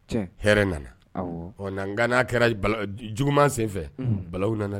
Tiɲɛ, hɛrɛ nana; awɔ; nka n'a kɛra bala juguman sen fɛ balahu nana.